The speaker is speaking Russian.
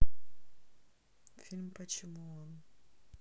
фильм почему он